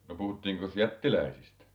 no puhuttiinkos jättiläisistä